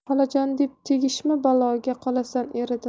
xolajon deb tegishma baloga qolasan eridan